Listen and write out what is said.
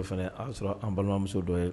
O fana'a sɔrɔ an balimamuso dɔ ye